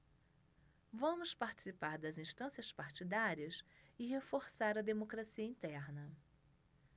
vamos participar das instâncias partidárias e reforçar a democracia interna